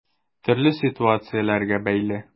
Төрле ситуацияләргә бәйле.